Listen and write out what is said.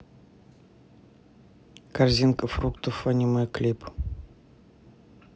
корзинка фруктов аниме клип